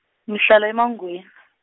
ngihlala eMangweni.